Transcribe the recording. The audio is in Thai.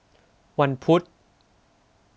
วันพุธ